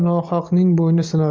nohaqning bo'yni sinar